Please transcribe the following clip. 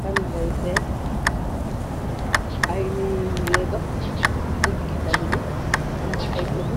Talingay seen ay nii nge dox ci diggi tali bi amna ay ëtu